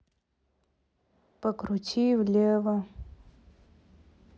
прокрути влево